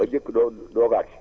ba njëkk doog doog a agg si